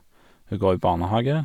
Hun går i barnehage.